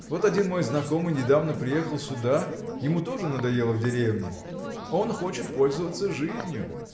– Вот один мой знакомый недавно приехал сюда ему тоже надоело в деревне он хочет пользоваться жизнию